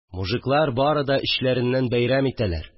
Мужиклар барыды да эчләреннән бәйрәм итәләр